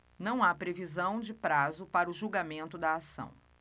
não há previsão de prazo para o julgamento da ação